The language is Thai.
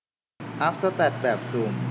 อัพแสตทแบบสุ่ม